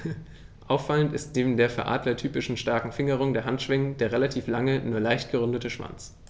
Auffallend ist neben der für Adler typischen starken Fingerung der Handschwingen der relativ lange, nur leicht gerundete Schwanz.